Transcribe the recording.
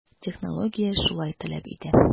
Технология шулай таләп итә.